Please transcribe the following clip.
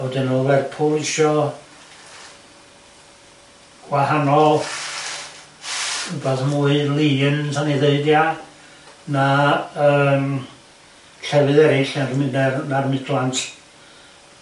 A wedyn o'dd Lerpwl isio gwahanol... rwbath mwy lean 'sa ni'n ddeud ia na yym llefydd erill na'r na'r Midlands.